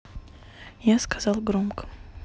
я сказал громко